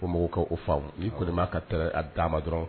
Ko mako o fa ii kɔni' ka a d'a ma dɔrɔn